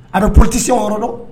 A bɛ poroti se yɔrɔ dɔn